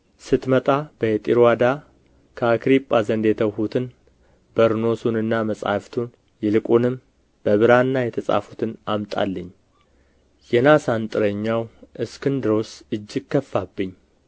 ስትመጣ በጢሮአዳ ከአክርጳ ዘንድ የተውሁትን በርኖሱንና መጻሕፍቱን ይልቁንም በብራና የተጻፉትን አምጣልኝ የናስ አንጥረኛው እስክንድሮስ እጅግ ከፋብኝ